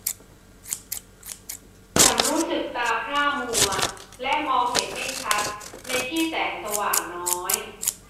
ฉันรู้สึกตาพร่ามัวและมองเห็นไม่ชัดในที่แสงสว่างน้อย